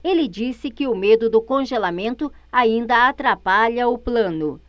ele disse que o medo do congelamento ainda atrapalha o plano